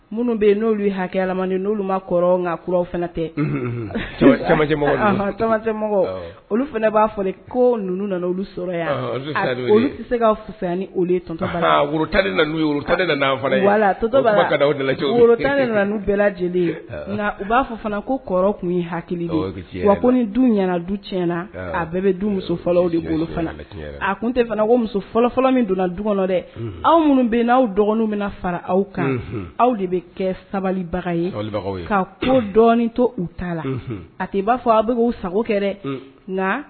Minnu bɛ hakɛ n'olu ma fana tɛ olu fana b'a fɔ ko nana olu sɔrɔ yan tɛ se bɛɛ lajɛlen u b'a fɔ fana ko tun hakili wa ko ni du ɲɛna du tiɲɛna a bɛɛ bɛ du muso fɔlɔ a tun tɛ muso fɔlɔfɔlɔ min donna du dɛ aw minnu bɛ n'aw dɔgɔnin min fara aw kan aw de bɛ kɛ sabalibaga ye ko to u ta la a tɛ i b'a fɔ aw bɛ' sago